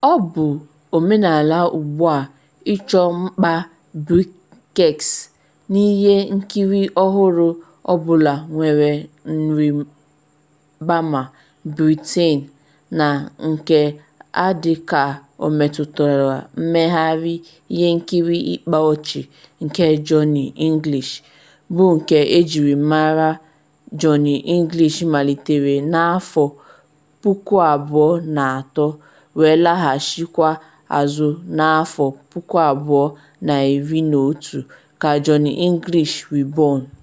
Ọ bụ omenala ugbu a ịchọ mkpa Brexit n’ihe nkiri ọhụrụ ọ bụla nwere nribama Britain, na nke a dịka ọ metụtara mmegharị ihe nkiri ịkpa ọchị nke Johnny English - bụ nke ejiri Johnny English malite na 2003, wee laghachikwa azụ na 2011 ka Johnny English Reborn.